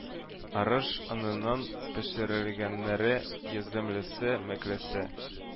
Арыш оныннан пешерелгәннәре, йөземлесе, мәклесе